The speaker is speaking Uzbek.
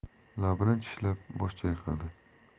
labini tishlab bosh chayqadi